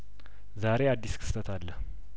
ዛሬ አዲስ ክስተት አለ